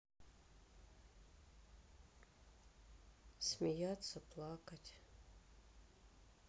смеяться плакать